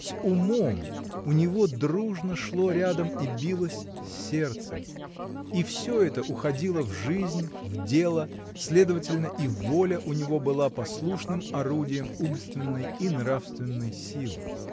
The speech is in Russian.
С умом у него дружно шло рядом и билось сердце — и всё это уходило в жизнь, в дело, следовательно, и воля у него была послушным орудием умственной и нравственной силы.